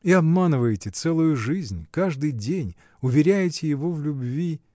— И обманываете целую жизнь, каждый день, уверяете его в любви.